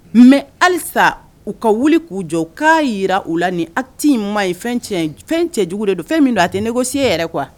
Mais halisa u ka wuli k'u jɔ k'a jira u la nin acte in man ɲi fɛn cɛ fɛn cɛjugu de don, fɛn min don a tɛ négocier yɛrɛ quoi